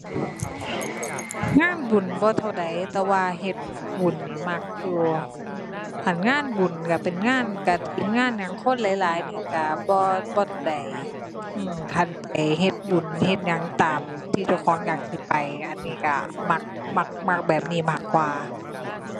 งานบุญบ่เท่าใด แต่ว่าเฮ็ดบุญนี่มักอยู่ คันงานบุญก็เป็นงานกฐิน งานหยังคนหลายหลายนี่ก็ บ่ บ่เท่าใด อื้อ คันไปเฮ็ดบุญ เฮ็ดหยังตามที่เจ้าของอยากสิไปอันนี้ก็มัก มัก มักแบบนี้มากกว่า